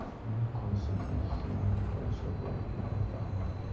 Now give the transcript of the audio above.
u kosa tagida nim kosa borligini fahmladi